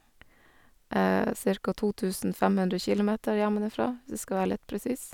Cirka to tusen fem hundre kilometer hjemmefra, hvis vi skal være litt presis.